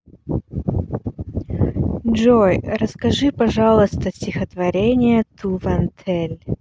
джой расскажи пожалуйста стихотворение to ван тель